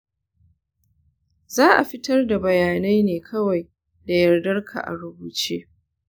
za a fitar da bayanai ne kawai da yardarka a rubuce.